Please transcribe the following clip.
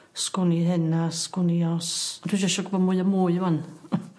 sgwn i hyn a sgwn i os on' dwi jy sio gwbo mwy o mwy 'wan.